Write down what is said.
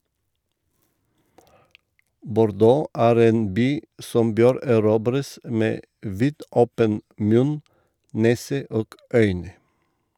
Bordeaux er en by som bør erobres med vidåpen munn, nese og øyne.